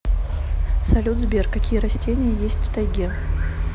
салют сбер какие растения есть в тайге